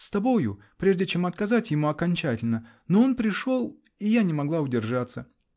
с тобою, прежде чем отказать ему окончательно; но он пришел. и я не могла удержаться.